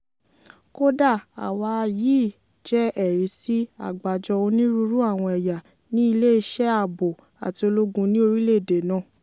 Kódà àwa yìí jẹ́ ẹ̀rí sí àgbájọ onírúurú àwọn ẹ̀yà ní ilé-iṣẹ́ ààbò àti ológun ní orílẹ̀-èdè náà.